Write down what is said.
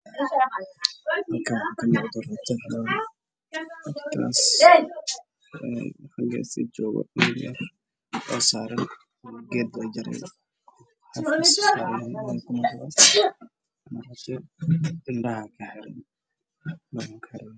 Meeshan geel ayaa taagan